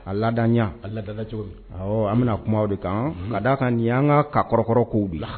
A laadaɲa. A ladala cogo min na. Awɔ an bi na kuma o de kan . Ka da kan nin yan ka ka kɔrɔkɔrɔ kow de ye.